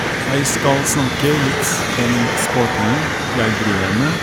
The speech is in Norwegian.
Jeg skal snakke litt om sportene jeg driver med.